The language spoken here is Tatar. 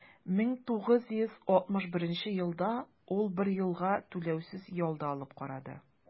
1961 елда ул бер елга түләүсез ял да алып карады.